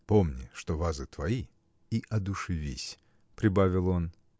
– Помни, что вазы твои, и одушевись, – прибавил он.